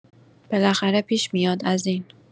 بالاخره پیش میاد از این